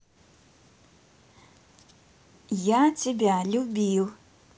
я тебя любил